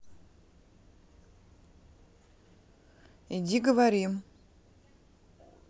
иди говорим